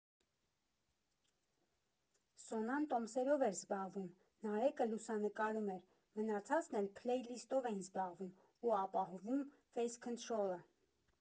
Սոնան տոմսերով էր զբաղվում, Նարեկը լուսանկարում էր, մնացածն էլ փլեյլիստով էին զբաղվում ու ապահովում ֆեյսքընթրոլը։